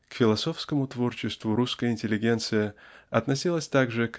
к философскому творчеству русская интеллигенция относилась так же